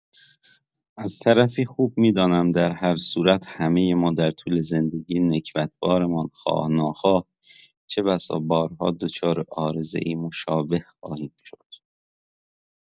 از طرفی خوب می‌دانم در هر صورت همۀ ما در طول زندگی نکبت بارمان خواه‌ناخواه چه‌بسا بارها دچار عارضه‌ای مشابه خواهیم شد.